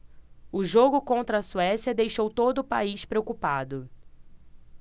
o jogo contra a suécia deixou todo o país preocupado